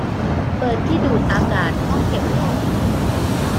เปิดที่ดูดอากาศห้องเก็บของ